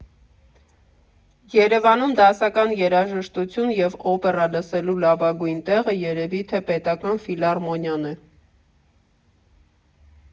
Երևանում դասական երաժշտություն և օպերա լսելու լավագույն տեղը երևի թե Պետական ֆիլհարմոնիան է։